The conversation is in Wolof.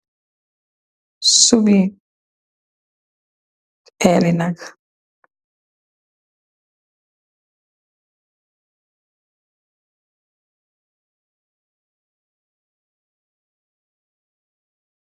Soubi ééli nákk